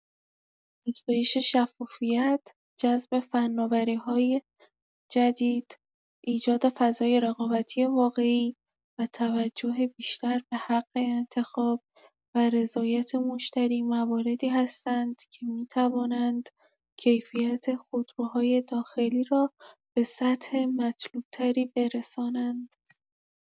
افزایش شفافیت، جذب فناوری‌های جدید، ایجاد فضای رقابتی واقعی و توجه بیشتر به‌حق انتخاب و رضایت مشتری مواردی هستند که می‌توانند کیفیت خودروهای داخلی را به سطح مطلوب‌تری برسانند.